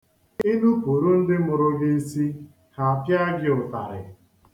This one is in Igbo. I nupuru ndị mụrụ gị isi, ha apịa gị ụtarị.